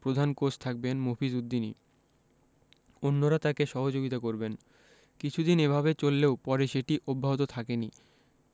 প্রধান কোচ থাকবেন মফিজ উদ্দিনই অন্যরা তাঁকে সহযোগিতা করবেন কিছুদিন এভাবে চললেও পরে সেটি অব্যাহত থাকেনি